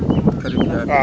Karime Ndiaye